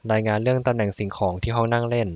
รายงานเรื่องตำแหน่งสิ่งของที่ห้องนั่งเล่น